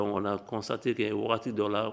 Kɔsa tɛ kɛ waati dɔ la